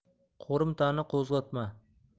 qo'rimtani qo'zg'atma